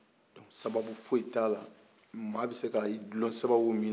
donc sababu fosi t'a la maa b'i se ka i goulo sababu min na